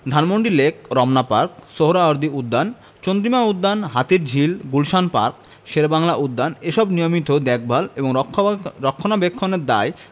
Dhanmondi lake Ramna park Suhrawardy উদ্যান চন্দ্রিমা উদ্যান Hatirjheel Gulshan park Sher-e-Bangla উদ্যান এসব নিয়মিত দেখভাল ও রক্ষণাবেক্ষণের দায়